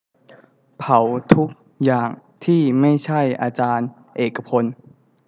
เผาทุกอย่างที่ไม่ใช่อาจารย์เอกพล